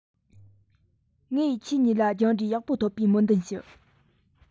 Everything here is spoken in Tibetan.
ངས ཁྱེད གཉིས ལ སྦྱངས འབྲས ཡག པོ ཐོབ པའི སྨོན འདུན ཞུ